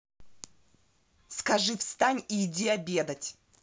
скажи встань и иди обедать